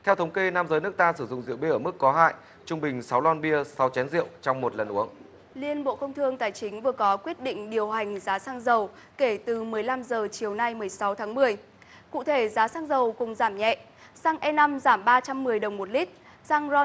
theo thống kê nam giới nước ta sử dụng rượu bia ở mức có hại trung bình sáu lon bia sau chén rượu trong một lần uống liên bộ công thương tài chính vừa có quyết định điều hành giá xăng dầu kể từ mười lăm giờ chiều nay mười sáu tháng mười cụ thể giá xăng dầu cùng giảm nhẹ xăng e năm giảm ba trăm mười đồng một lít xăng ron